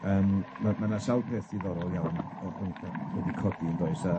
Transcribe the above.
Yym ma' ma' 'na sawl peth diddorol iawn yy yn yy wedi codi yn does a